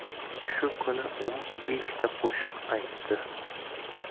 shu kuni u beshta qo'shiq aytdi